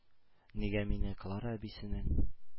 Нигә мине — Клара әбисенең